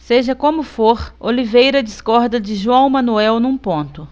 seja como for oliveira discorda de joão manuel num ponto